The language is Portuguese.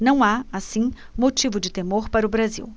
não há assim motivo de temor para o brasil